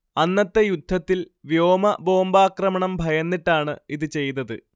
അന്നത്തെ യുദ്ധത്തിൽ വ്യോമ ബോംബാക്രമണം ഭയന്നിട്ടാണ് ഇത് ചെയ്തത്